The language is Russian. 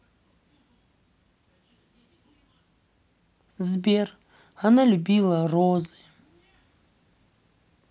сбер она любила розы